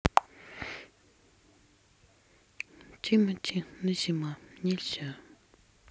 тимати назима нельзя